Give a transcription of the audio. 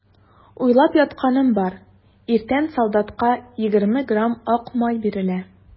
Уйлап ятканым бар: иртән солдатка егерме грамм ак май бирелә.